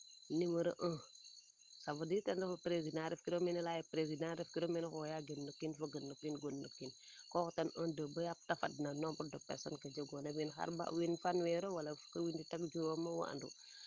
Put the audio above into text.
numero "un ca veut dire ten refu re meen leya president de ref kiro meen xooya gon no kiin fo gon no kiin ko xotan un deux baya a te fadna no nombre de personne ke njegoona wiin xarɓaxay wiin fanweer o wala fukki nit ak juroom o wo andu